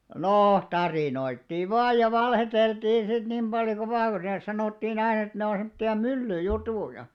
no tarinoitiin vain ja valehdeltiin sitten niin paljon kuin sanottiin aina että ne on semmoisia myllyjuttuja